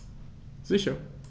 Sicher.